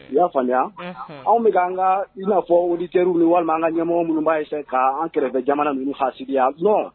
I y'a faamuya, unhun, anw bɛ ka an ka, in n'a fɔ auditeur ni walima an ka ɲɛmɔgɔ minnu b'a essayer k'an kɛrɛfɛ jamana ninnu hasidiya non